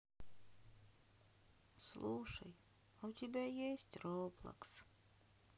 слушай а у тебя есть роблокс